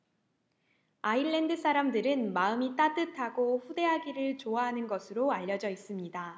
아일랜드 사람들은 마음이 따뜻하고 후대하기를 좋아하는 것으로 알려져 있습니다